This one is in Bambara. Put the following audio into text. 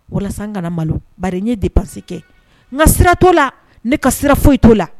Walasa kana malo ba ye de basi kɛ n ka sira t'o la ne ka sira foyi t'o la